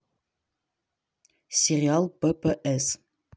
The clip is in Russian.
сериал ппс